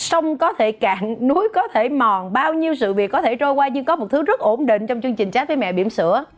sông có thể cạn núi có thể mòn bao nhiêu sự việc có thể trôi qua nhưng có một thứ rất ổn định trong chương trình chat với mẹ bỉm sữa